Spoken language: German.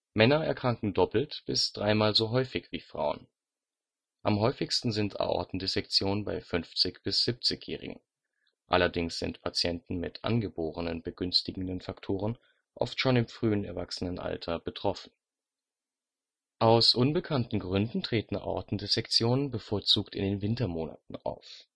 Männer erkranken doppelt bis dreimal so häufig wie Frauen. Am häufigsten sind Aortendissektionen bei 50 - bis 70-jährigen, allerdings sind Patienten mit angeborenen begünstigenden Faktoren oft schon im frühen Erwachsenenalter betroffen. Aus unbekannten Gründen treten Aortendissektionen bevorzugt in den Wintermonaten auf